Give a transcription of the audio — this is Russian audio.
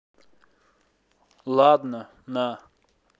ладно на